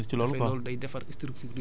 dafay intervenir ci loolu